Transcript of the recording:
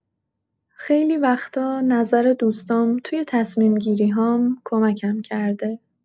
خیلی وقتا نظر دوستام توی تصمیم‌گیری‌هام کمکم کرده.